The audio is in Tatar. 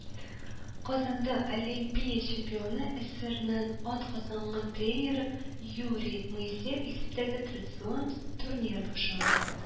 Казанда Олимпия чемпионы, СССРның атказанган тренеры Юрий Моисеев исемендәге традицион турнир башланды